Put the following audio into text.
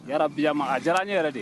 Bi a ma a diyara n ne yɛrɛ de